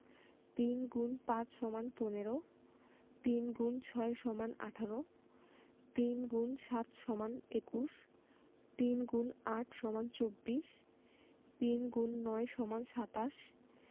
৩ X ৫ = ১৫ ৩ x ৬ = ১৮ ৩ × ৭ = ২১ ৩ X ৮ = ২৪ ৩ X ৯ = ২৭